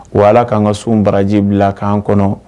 Wa Ala ka an ŋa sunw baraji bila k'an kɔnɔ